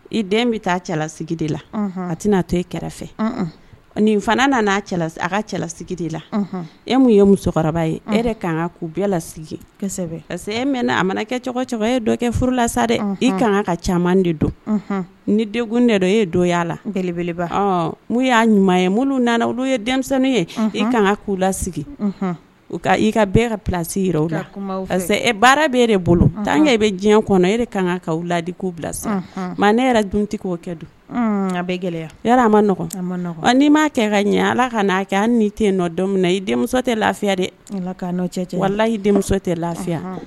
I den bɛ taa cɛlasigi de la a tɛna n'a to i kɛrɛfɛ nin fana nanaa cɛla a ka cɛlasigi de la e min ye musokɔrɔba ye e yɛrɛ ka kan ka k'u bɛɛlasigi parce que e mɛn a mana kɛ cɛ e ye dɔ kɛ furulasa dɛ i ka kan ka ca de dɔn ni denkun ne don e ye donya labele mun y'a ɲuman ye olu nana olu ye denmisɛnnin ye i ka kan ka k'u lasigi u i ka bɛɛ ka plasi jira o la parce que e baara bɛ de bolo tankɛ i bɛ diɲɛ kɔnɔ e ka kan ka'u ladi k'u bilasi nka ne yɛrɛ duntigi' kɛ don bɛ gɛlɛya a ma nɔgɔn nii m maa kɛ ka ɲɛ ala ka n'a kɛ hali ni tɛ nɔ don min i denmuso tɛ lafiya dɛ ala cɛ i denmuso tɛ lafiya